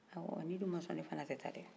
ah wa ni dun ma sɔn ne fɛnɛ tɛ taa dɛ